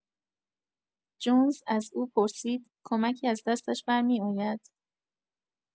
جونز از او پرسید، کمکی از دستش برمی‌آید؟